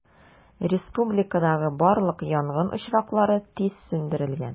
Республикадагы барлык янгын очраклары тиз сүндерелгән.